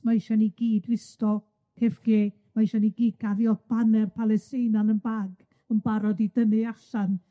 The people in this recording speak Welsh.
Ma' isio ni gyd wisgo keffkiyeh, ma' isio ni gyd gario baner Palesteina mewn bag, yn barod i dynnu allan.